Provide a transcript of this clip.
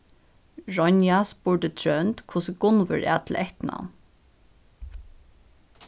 ronja spurdi trónd hvussu gunnvør æt til eftirnavn